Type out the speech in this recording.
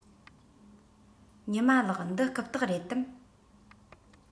ཉི མ ལགས འདི རྐུབ སྟེགས རེད དམ